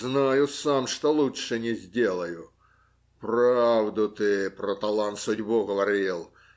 Знаю сам, что лучше не сделаю; правду ты про талан-судьбу говорил.